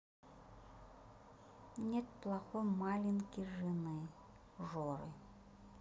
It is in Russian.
нет плохой маленький жена жоры